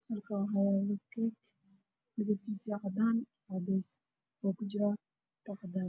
Waa miis waxaa saaran saxan cadaan waxaa ku jiro buskud